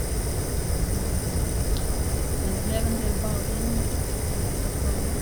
s Men det ble en del bading i Stockholm òg.